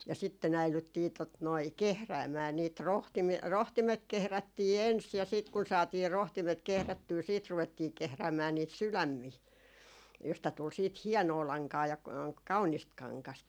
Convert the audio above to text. ja sitten äidyttiin tuota noin kehräämään niitä - rohtimet kehrättiin ensin ja sitten kun saatiin rohtimet kehrättyä sitten ruvettiin kehräämään niitä sydämiä josta tuli sitten hienoa lankaa ja kaunista kangasta